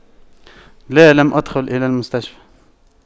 لا لم أدخل إلى المستشفى